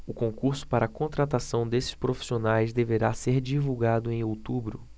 o concurso para contratação desses profissionais deverá ser divulgado em outubro